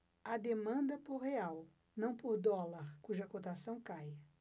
há demanda por real não por dólar cuja cotação cai